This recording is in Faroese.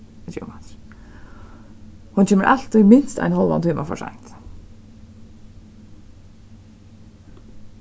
hon kemur altíð minst ein hálvan tíma for seint